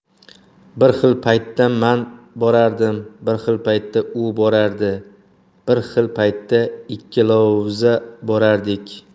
bir xil paytda man borardim bir xil paytda u borardi bir xil paytda ikkalavuza borardik